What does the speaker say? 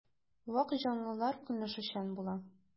Вак җанлылар көнләшүчән була.